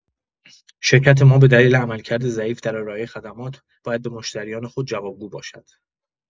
شرکت ما به دلیل عملکرد ضعیف در ارائه خدمات، باید به مشتریان خود جوابگو باشد.